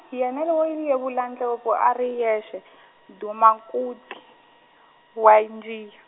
yena lowo yevula ndlopfu a ri yexe, Mdumakude, wa njiya.